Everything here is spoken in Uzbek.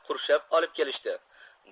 qurshab olib kelishdi